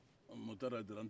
mugutari hayidara